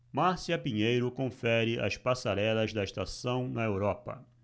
márcia pinheiro confere as passarelas da estação na europa